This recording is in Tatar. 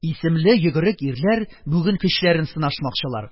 Исемле йөгерек ирләр бүген көчләрен сынашмакчылар.